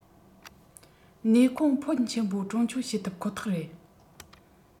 ནུས ཁུངས ཕོན ཆེན པོ གྲོན ཆུང བྱེད ཐུབ ཁོ ཐག རེད